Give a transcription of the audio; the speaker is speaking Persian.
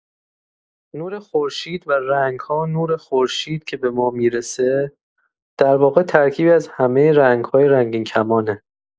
نور خورشید و رنگ‌ها نور خورشید که به ما می‌رسه، در واقع ترکیبی از همه رنگ‌های رنگین‌کمانه.